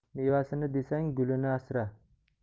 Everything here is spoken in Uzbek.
mevasini desang gulini asra